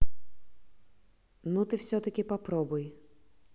ну ты все таки попробуй